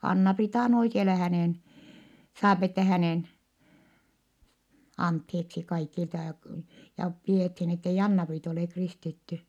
Anna-Priita on oikealla hänen saa että hänen anteeksi kaikilta ja - ja pidettiin että ei Anna-Priita ole kristitty